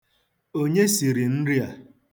Onye siri nri a?